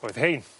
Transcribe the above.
oedd rhein